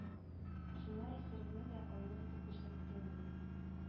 Шуңа исерекне дә айнык итеп күрсәткән ди